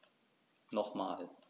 Nochmal.